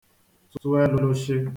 tụ ẹlụshị